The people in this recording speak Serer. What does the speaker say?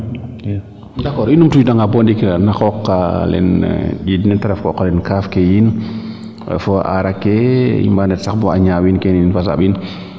d' accord i numtu wiida nga bo ndiing o qoqa le na ƴiiƴ ne kaaf ke yiin fo arake ima ndet bo a ñawiin keene yiin fasaɓiin